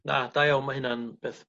Na da iawn ma' hynna'n beth